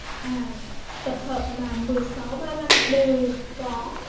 tập hợp mà đều có